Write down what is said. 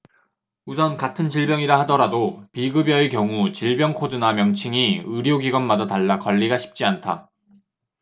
우선 같은 질병이라 하더라도 비급여의 경우 질병 코드나 명칭이 의료기관마다 달라 관리가 쉽지 않다